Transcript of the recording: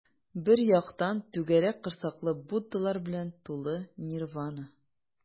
Бер яктан - түгәрәк корсаклы буддалар белән тулы нирвана.